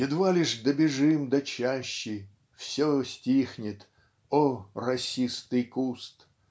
Едва лишь добежим до чащи, Все стихнет. О, росистый куст!